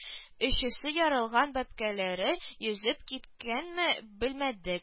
Өчесе ярылган бәбкәләре йөзеп киткәнме белмәдек